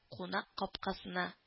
Кунак капкасына